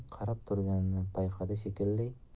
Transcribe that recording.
qarab turganini payqadi shekilli